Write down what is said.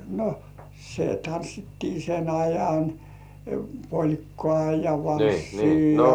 no se tanssittiin sen ajan polkkaa ja valssia ja